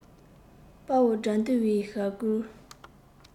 དཔའ བོ དགྲ འདུལ བའི ཞབས བསྐུལ